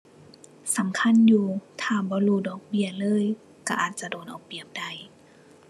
สำคัญอยู่ถ้าบ่รู้ดอกเบี้ยเลย ก็อาจจะโดนเอาเปรียบได้